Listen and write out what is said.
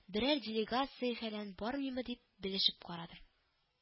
Берәр делегация-фәлән бармыймы дип белешеп карады